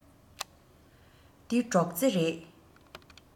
འདི སྒྲོག རྩེ རེད